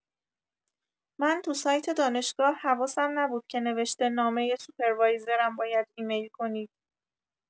من تو سایت دانشگاه حواسم نبود که نوشته نامه سوپروایزرم باید ایمیل کنید.